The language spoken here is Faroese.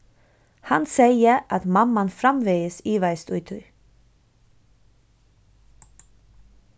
hann segði at mamman framvegis ivaðist í tí